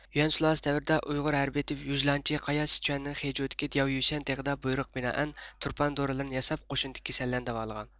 يۈەن سۇلالىسى دەۋرىدە ئۇيغۇر ھەربىي تېۋىپ يۇجلانچى قايا سىچۇەننىڭ خېجۇدىكى دىياۋيۈشەن تېغىدا بۇيرۇققا بىنائەن تۇرپان دورىلىرىنى ياساپ قوشۇندىكى كېسەللەرنى داۋالىغان